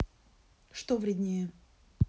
что вреднее